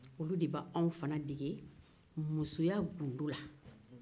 olu de b'an fana dege musoya gundo la